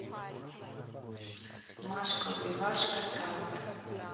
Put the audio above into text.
машка убивашка tower